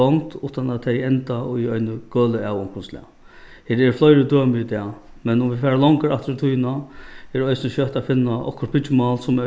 gongd uttan at tey enda í eini gølu av onkrum slag her eru fleiri dømi í dag men um vit fara longur aftur í tíðina er eisini skjótt at finna okkurt byggimál sum av